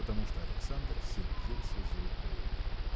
потому что Александр сердился за упреки.